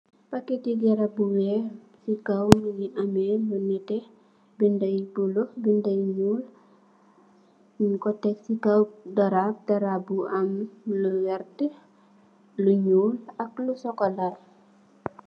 Paketi grab bu weh , si kaw mungi ameh , lu netteh binda yu buleau , binda yu nyul , nyunko tek si kaw drab , drab bu am lu wert , lu nyul, ak sokola .